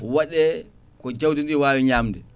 waɗe ko jawdi ndi wawi ñamde